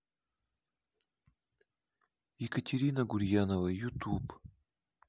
екатерина гурьянова ютуб